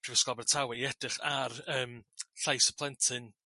Prifysgol Abertawe i edrych ar yym llais y plentyn